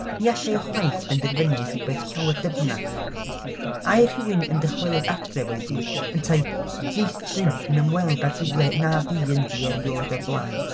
Ni allai ychwaith benderfynu rhywbeth llawer dyfnach, a'i rhywun yn dychwelyd adref oedd hi, ynteu dieithryn yn ymweld â rhywle na fu ynddi erioed o'r blaen.